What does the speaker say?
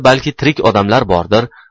balki tirik odamlar bordir